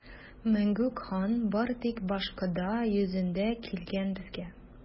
Мәңгүк хан бары тик башкода йөзендә килгән безгә!